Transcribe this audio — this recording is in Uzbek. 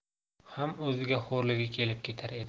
ham o'ziga xo'rligi kelib ketar edi